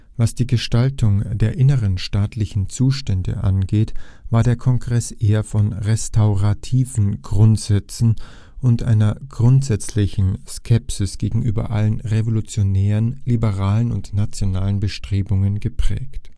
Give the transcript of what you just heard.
Was die Gestaltung der inneren staatlichen Zustände angeht, war der Kongress eher von restaurativen Grundsätzen und einer grundsätzlichen Skepsis gegenüber allen revolutionären, liberalen und nationalen Bestrebungen geprägt